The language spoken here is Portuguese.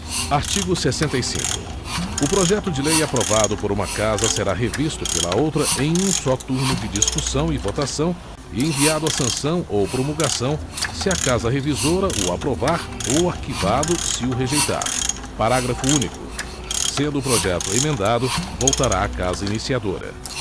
artigo sessenta e cinco o projeto de lei aprovado por uma casa será revisto pela outra em um só turno de discussão e votação e enviado à sanção ou promulgação se a casa revisora o aprovar ou arquivado se o rejeitar parágrafo único sendo o projeto emendado voltará à casa iniciadora